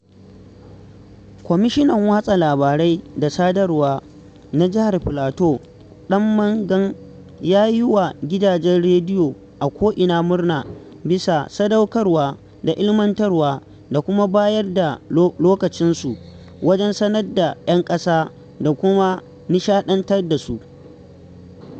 Kwamishinan Watsa Labarai da Sadarwa na Jihar Filato Dan Manjang ya yi wa gidajen radiyo a ko'ina murna, ''bisa sadaukarwa da ilimantarwa da kuma bayar da lokacinsu" wajen sanar da 'yan ƙasa da kuma nishaɗantar da su: